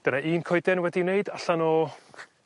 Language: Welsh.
Dyna un coeden wedi i'w wneud allan o